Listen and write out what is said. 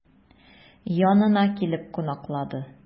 Янына килеп кунаклады.